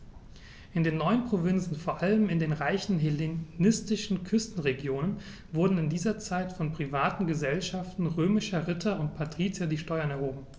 In den neuen Provinzen, vor allem in den reichen hellenistischen Küstenregionen, wurden in dieser Zeit von privaten „Gesellschaften“ römischer Ritter und Patrizier die Steuern erhoben.